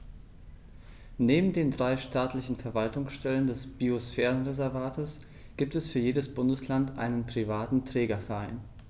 Neben den drei staatlichen Verwaltungsstellen des Biosphärenreservates gibt es für jedes Bundesland einen privaten Trägerverein.